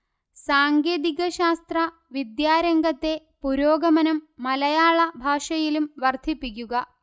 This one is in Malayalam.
സാങ്കേതികശാസ്ത്ര വിദ്യാരംഗത്തെ പുരോഗമനം മലയാള ഭാഷയിലും വർദ്ധിപ്പിക്കുക